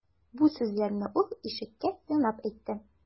Бу сүзләрне ул ишеккә янап әйтте.